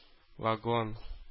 Вагон